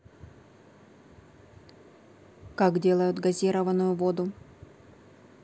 как делают газированную воду